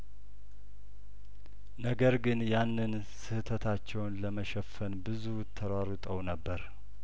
ነገር ግን ያንን ስህተታቸውን ለመሸፈን ብዙ ተሯሩጠው ነበር